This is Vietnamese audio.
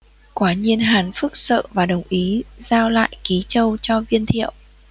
quả nhiên hàn phức sợ và đồng ý giao lại ký châu cho viên thiệu